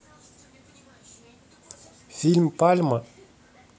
фильм пальма